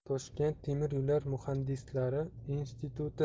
toshkent temir yo'l muhandislari instituti